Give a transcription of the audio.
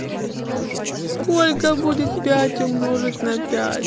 сколько будет пять умножить на пять